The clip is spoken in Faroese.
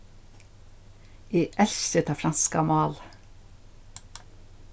eg elski tað franska málið